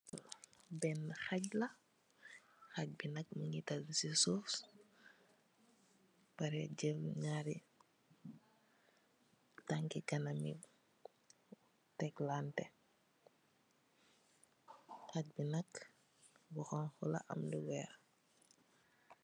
Bena haag la haag bi mogi daal si suuf ba pareh jel naari tankai kanam yi teklen haag bi nak bu xonxu la ma lu weex.